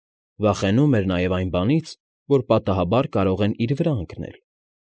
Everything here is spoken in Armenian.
Վախենում էր նաև այն բանից, որ պատահաբար կարող են իր վրա ընկնել։